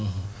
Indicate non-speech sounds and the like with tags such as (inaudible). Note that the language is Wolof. (hesitation) (hesitation)